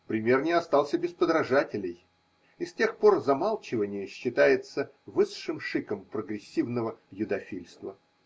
Пример не остался без подражателей, и с тех пор замалчивание считается высшим шиком прогрессивного юдофильства.